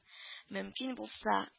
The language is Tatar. — мөмкин булса